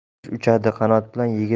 qush uchadi qanoti bilan